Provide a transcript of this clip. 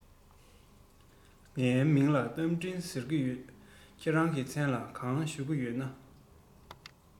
ངའི མིང ལ རྟ མགྲིན ཟེར གྱི ཡོད ཁྱེད རང གི མཚན ལ གང ཞུ གི ཡོད ན